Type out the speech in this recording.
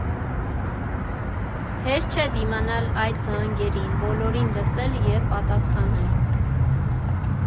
Հեշտ չէ դիմանալ այդ զանգերին, բոլորին լսել և պատասխանել։